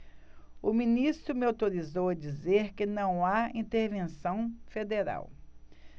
o ministro me autorizou a dizer que não há intervenção federal